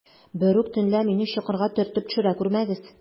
Берүк төнлә мине чокырга төртеп төшерә күрмәгез.